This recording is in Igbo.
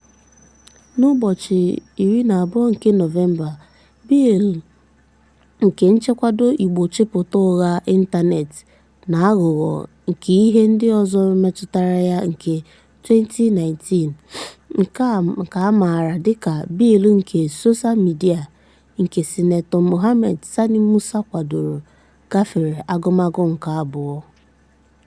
N'ụbọchị 20 nke Nọvemba, Bịịlụ nke Nchedo Igbochipụ Ụgha Ịntaneetị na Aghụghọ nke Ihe Ndị Ọzọ Metụtara Ya nke 2019, nke a maara dị ka "bịịlụ nke soshaa midịa", nke Sinetọ Mohammed Sani Musa kwadoro, gafere agụmagụ nke abụọ.